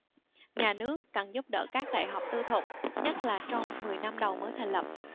nhà nước cần giúp đỡ các đại học tư thục nhất là trong mười năm đầu mới thành lập